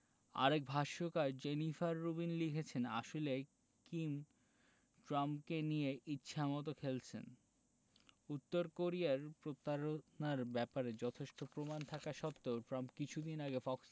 আরেক ভাষ্যকার Jennifer Rubin লিখেছেন আসলে কিম ট্রাম্পকে নিয়ে ইচ্ছামতো খেলছেন উত্তর কোরিয়ার প্রতারণার ব্যাপারে যথেষ্ট প্রমাণ থাকা সত্ত্বেও ট্রাম্প কিছুদিন আগে ফক্স